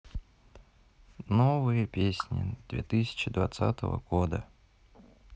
новые песни две тысячи двадцатого года